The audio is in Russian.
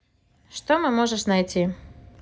что мы можешь найти